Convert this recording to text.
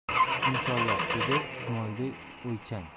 inshoolloh dedi ismoilbey o'ychan